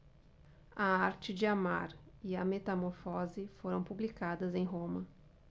a arte de amar e a metamorfose foram publicadas em roma